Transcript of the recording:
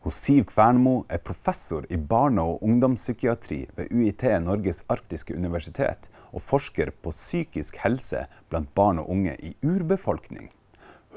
hun Siv Kvernmo er professor i barne- og ungdomspsykiatri ved UiT Norges arktiske universitet og forsker på psykisk helse blant barn og unge i urbefolkning.